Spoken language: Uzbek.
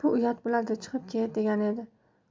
bu uyat bo'ladichiqib ket degani edi